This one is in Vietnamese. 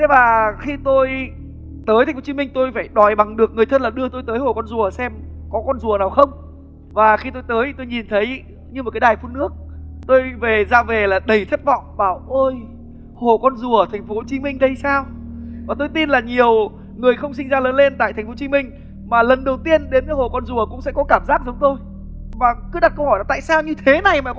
tức là khi tôi tới thành phố chí minh tôi phải đòi bằng được người thân đưa tôi tới hồ con rùa xem có con rùa nào không và khi tôi tới tôi nhìn thấy như một cái đài phun nước tôi về ra về là đầy thất vọng bảo ôi hồ con rùa ở thành phố chí minh đây sao và tôi tin là nhiều người không sinh ra lớn lên tại thành phố chí minh và lần đầu tiên đến với hồ con rùa cũng sẽ có cảm giác giống tôi và cứ đặt câu hỏi tại sao như thế này mà